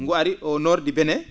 ngu ari au du Benin